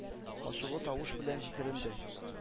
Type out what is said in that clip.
Ачулы тавыш белән җикеренде: -